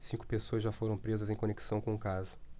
cinco pessoas já foram presas em conexão com o caso